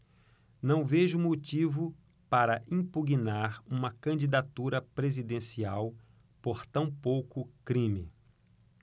não vejo motivo para impugnar uma candidatura presidencial por tão pouco crime